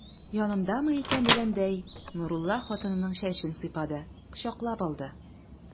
Янымдамы икән дигәндәй, Нурулла хатынының чәчен сыйпады, кочаклап алды.